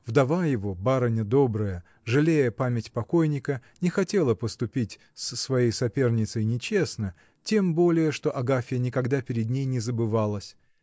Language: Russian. вдова его, барыня добрая, жалея память покойника, не хотела поступить с своей соперницей нечестно, тем более что Агафья никогда перед ней не забывалась